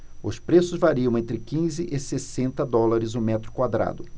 os preços variam entre quinze e sessenta dólares o metro quadrado